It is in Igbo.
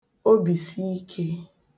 obìsiikē